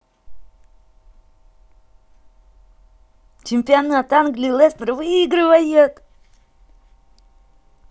чемпионат англии лестер выигрывает